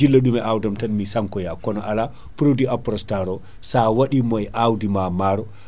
jilla ɗum e awdam tan mi sankko ya kono ala produit Aprostar o sa waɗimo e awdi ma maaro